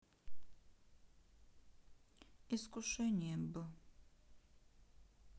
искушение б